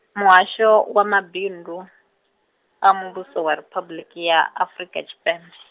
Muhasho, wa Mabindu, a Muvhuso wa Riphabuḽiki ya, Afrika Tshipembe.